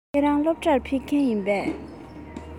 ཁྱེད རང སློབ གྲྭར ཕེབས པས